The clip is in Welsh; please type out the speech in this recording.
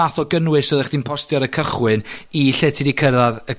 math o gynnwys oddach chdi'n postio ar y cychwyn, i lle ti 'di cyrradd yy